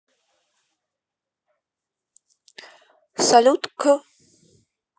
салют к